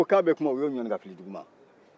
o ko ko a bɛ kuma u y'o ɲɔni ka bin dugu ma